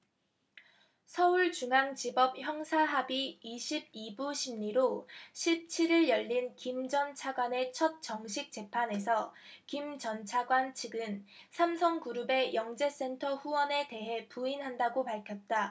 서울중앙지법 형사합의 이십 이 부 심리로 십 칠 일 열린 김 전 차관의 첫 정식 재판에서 김 전 차관 측은 삼성그룹의 영재센터 후원에 대해 부인한다고 밝혔다